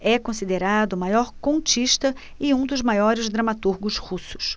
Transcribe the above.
é considerado o maior contista e um dos maiores dramaturgos russos